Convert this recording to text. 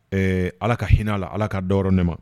Ɛɛ ala ka hinɛ la ala ka dɔn yɔrɔ ne ma